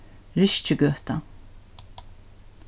ryskigøta